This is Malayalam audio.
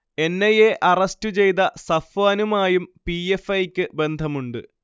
എൻ. ഐ. എ അറസ്റ്റ് ചെയ്ത സഫ്വാനുമായും പി. എഫ്. ഐ. ക്ക് ബന്ധമുണ്ട്